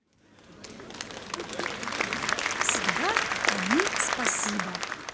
всегда они спасибо